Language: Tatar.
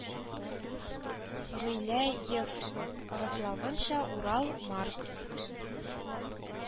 Гыйлә ев раславынча, Урал , Маркс